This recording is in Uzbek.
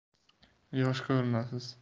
yosh ko'rinasiz